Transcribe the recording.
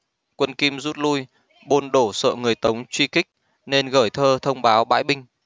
quân kim rút lui bôn đổ sợ người tống truy kích nên gởi thư thông báo bãi binh